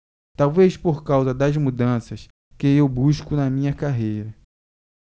talvez por causa das mudanças que eu busco na minha carreira